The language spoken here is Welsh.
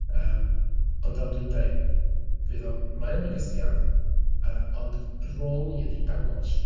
Yym, ond fel dwi'n dweud, fydd o'n... mae o'n fygythiad, yy ond rôl ni ydy dangos...